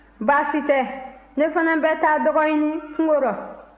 baasi tɛ ne fana bɛ taa dɔgɔ ɲini kungo rɔ